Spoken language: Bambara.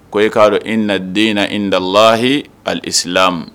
Ko e k'a dɔn